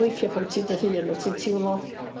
weithia' pan ti dy hun wt ti'n timlo...